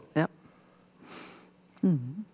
ja .